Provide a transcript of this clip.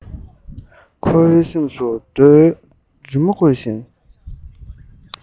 ཁོ བོའི སེམས སུ རྡོ ལ རི མོ བརྐོས པ བཞིན